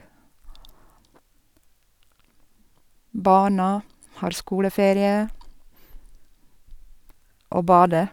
Barna har skoleferie, og bader.